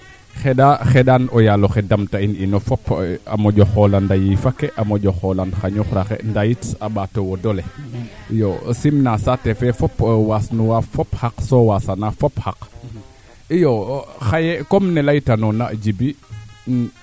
o anda ande o inooxa nga no ngool samsuud fa xooxum fik ten refu o ŋool fik wala boonu inoorna maaga xa yoqu yee o ngoola tuup to ande o duufa nga boo pare foof le roog ten no njooxlo xata